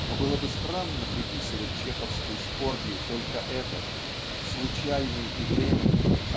Но было бы странно приписывать чеховской скорби только этот случайный и временный